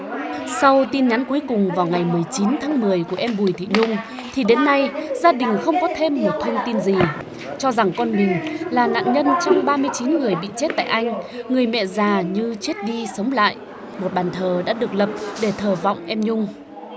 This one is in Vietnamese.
sau tin nhắn cuối cùng vào ngày mười chín tháng mười của em bùi thị nhung thì đến nay gia đình không có thêm một thông tin gì cho rằng con mình là nạn nhân trong ba mươi chín người bị chết tại anh người mẹ già như chết đi sống lại một bàn thờ đã được lập để thờ vọng em nhung